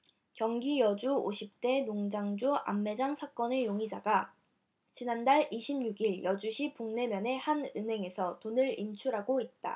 경기 여주 오십 대 농장주 암매장 사건의 용의자가 지난달 이십 육 일 여주시 북내면의 한 은행에서 돈을 인출하고 있다